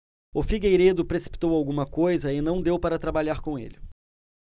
o figueiredo precipitou alguma coisa e não deu para trabalhar com ele